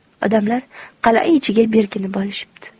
odamlar qala ichiga berkinib olishibdi